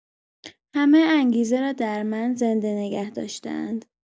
همه انگیزه را در من زنده نگه داشته‌اند.